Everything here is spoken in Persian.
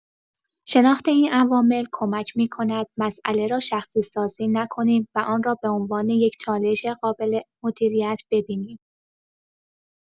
شناخت این عوامل کمک می‌کند مسئله را شخصی‌سازی نکنیم و آن را به‌عنوان یک چالش قابل مدیریت ببینیم.